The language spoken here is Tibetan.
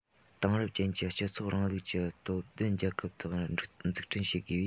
དེང རབས ཅན གྱི སྤྱི ཚོགས རིང ལུགས ཀྱི སྟོབས ལྡན རྒྱལ ཁབ འཛུགས སྐྲུན བྱེད དགོས པས